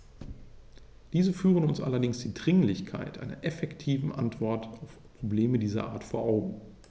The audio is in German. Diese führen uns allerdings die Dringlichkeit einer effektiven Antwort auf Probleme dieser Art vor Augen.